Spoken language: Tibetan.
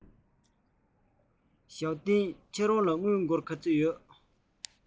ཞའོ ཏིང རང ལ དངུལ སྒོར ག ཚོད ཡོད